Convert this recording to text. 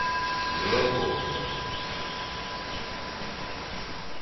fløguvegur